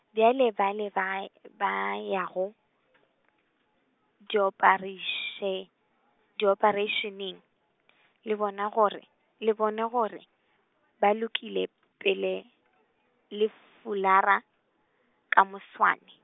bjale bale ba y-, ba ya go , diopareiše- , diopareišeneng , le bone gore , le bone gore, ba lokile pele, le f- fulara, ka moswane.